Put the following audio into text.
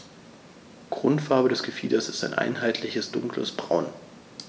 Grundfarbe des Gefieders ist ein einheitliches dunkles Braun.